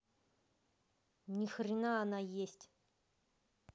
нихрена она есть